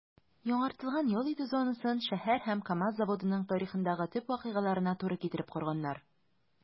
Яңартылган ял итү зонасын шәһәр һәм КАМАЗ заводының тарихындагы төп вакыйгаларына туры китереп корганнар.